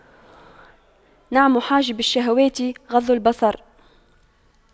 نعم حاجب الشهوات غض البصر